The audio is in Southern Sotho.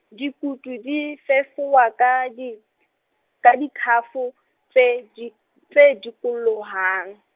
dikutu di fefuwa ka di , ka dikhafo, tse di, tse dikolohang.